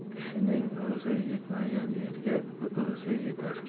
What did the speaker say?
kishining o'zi yetmagan yerga so'zi yetar